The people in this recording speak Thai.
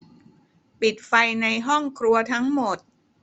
ปิดไฟในห้องครัวทั้งหมด